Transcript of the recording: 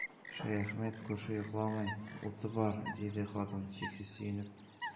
Шәяхмәт күрше йокламый, уты бар, диде хатын, чиксез сөенеп.